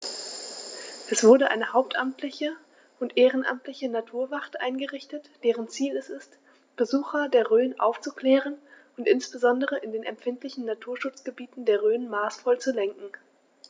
Es wurde eine hauptamtliche und ehrenamtliche Naturwacht eingerichtet, deren Ziel es ist, Besucher der Rhön aufzuklären und insbesondere in den empfindlichen Naturschutzgebieten der Rhön maßvoll zu lenken.